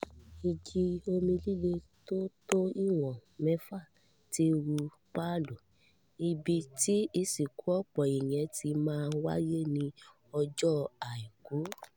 Ìjì omi líle tó tó ìwọn mẹ́fà ti run Palu; ibi tí ìsìnkú ọ̀pọ̀ èèyàn ti máa wáyé ní ọjọ́ Àìkú.